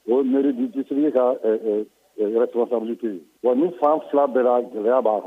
O moriri jisiri ka yɛrɛ camansabilite yen wa n'u fan fila bɛɛ gɛlɛya b'a